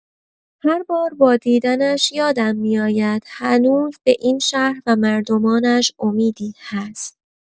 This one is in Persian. هر بار با دیدنش یادم می‌آید هنوز به این شهر و مردمانش امیدی هست.